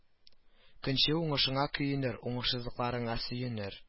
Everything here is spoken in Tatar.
Көнче уңышыңа көенер уңышсызлыкларыңа сөенер